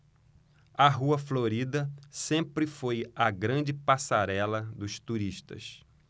a rua florida sempre foi a grande passarela dos turistas